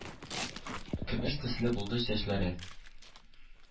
Көмеш төсле булды чәчләре.